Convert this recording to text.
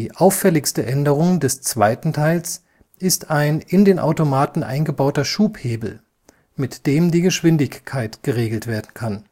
auffälligste Änderung des zweiten Teils ist ein in den Automaten eingebauter Schubhebel, mit dem die Geschwindigkeit geregelt werden kann